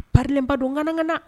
Parilenba don ŋanaŋana